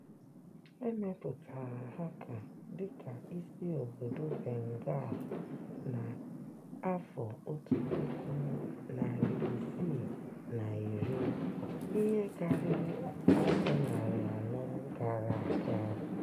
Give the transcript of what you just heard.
E mepụtara Dhaka dịka isi obodo Bengal na 1610, ihe karịrị afọ narị anọ gara aga.